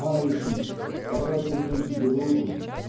Маятник старательный и грубый